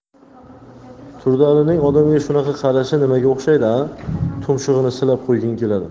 turdialining odamga shunaqa qarashi nimaga o'xshaydi a tumshug'ini silab qo'yging keladi